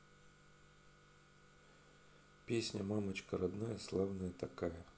песня мамочка родная славная такая